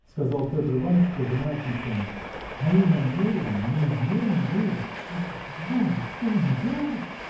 – сказал Петр Иваныч, пожимая плечами. – Мои намерения неизменны, Лиза! – Боже, боже, что я наделала!